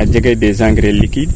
a jega des engais liquide